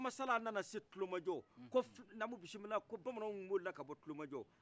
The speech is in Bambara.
bakari hama sala nana se kulomajɔ ko bamananw boli ka bɔ kulomajɔ